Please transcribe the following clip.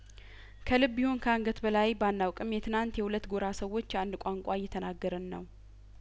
ከልብ ይሁን ከአንገት በላይ ባና ውቅም የትናንት የሁለት ጐራ ሰዎች አንድ ቋንቋ እየተናገርን ነው